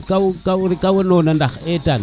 kaw kaw nona ndax etaan